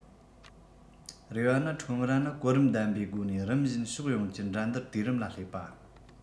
རེ བ ནི ཁྲོམ ར ནི གོ རིམ ལྡན པའི སྒོ ནས རིམ བཞིན ཕྱོགས ཡོངས ཀྱི འགྲན བསྡུར དུས རིམ ལ སླེབས པ